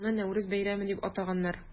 Аны Нәүрүз бәйрәме дип атаганнар.